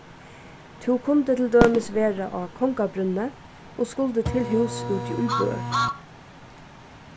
tú kundi til dømis vera á kongabrúnni og skuldi til hús úti í bø